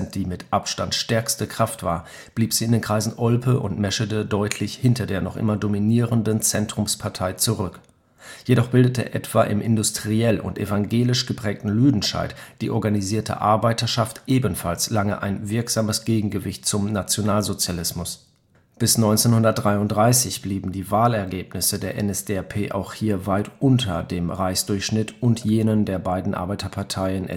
die mit Abstand stärkste Kraft war, blieb sie in den Kreisen Olpe und Meschede deutlich hinter der noch immer dominierenden Zentrumspartei zurück. Jedoch bildete etwa im industriell und evangelisch geprägten Lüdenscheid die organisierte Arbeiterschaft ebenfalls lange ein wirksames Gegengewicht zum Nationalsozialismus. Bis 1933 blieben die Wahlergebnisse der NSDAP auch hier weit unter dem Reichsdurchschnitt und jenen der beiden Arbeiterparteien